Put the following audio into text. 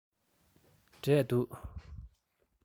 འབྲས འདུག